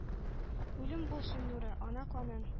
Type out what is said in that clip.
Үлем булсын нуры, ана канын,